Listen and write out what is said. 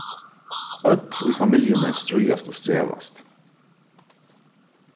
øll í familjuni stríðast og strevast